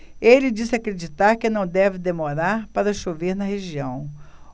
ele disse acreditar que não deve demorar para chover na região